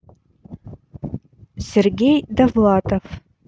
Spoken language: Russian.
сергей довлатов